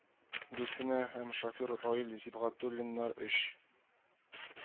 Гөлфинә һәм шофер Раил Сибгатуллиннар өч